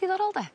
Diddorol de?